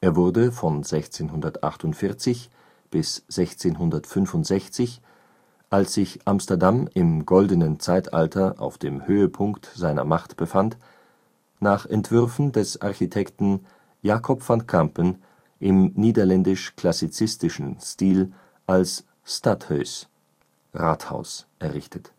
wurde von 1648 bis 1665 – als sich Amsterdam im Goldenen Zeitalter auf dem Höhepunkt seiner Macht befand – nach Entwürfen des Architekten Jacob van Campen im niederländisch-klassizistischen Stil als Stadhuis („ Rathaus “) errichtet